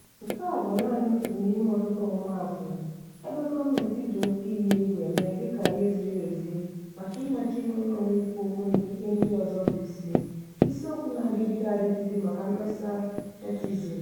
Nke a bụ naanị otu n'ime ọtụtụ ọmụmaatụ ebe gọọmentị ji oke iyi egwu eme dịka ihe ziri ezi maka ịmachi nnwereonwe ikwu okwu na ikike ndị ọzọ bụ isi - isiokwu na-adịgide adịgide maka Mkpesa Netizen.